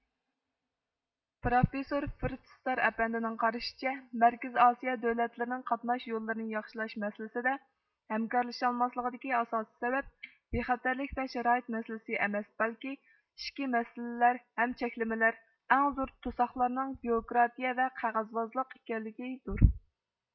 پروفېسسور فرېد ستار ئەپەندىنىڭ قارىشىچە مەركىزىي ئاسىيا دۆلەتلىرىنىڭ قاتناش يوللىرىنى ياخشىلاش مەسىلىسىدە ھەمكارلىشالماسلىقىدىكى ئاساسىي سەۋەب بىخەتەرلىك ۋە شارائىت مەسىلىسى ھەم ئەمەس بەلكى ئىچكى مەسىلىلەر ھەم چەكلىمىلەر ئەڭ زور توساقلارنىڭ بىيوكراتىيە ۋە قەغەۋازلىق ئىكەنلىكى دۇر